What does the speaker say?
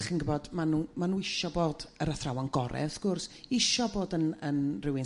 D'chi'n gw'bod ma'n nhw ma' nhw isio bod yr athrawon gorau wrth gwrs isio bod yn yn rywun